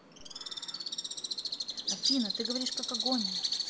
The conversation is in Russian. афина ты говоришь как агония